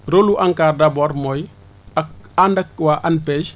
rôle lu ANCAR d' abord mooy ak ànd ak waa ANPEJ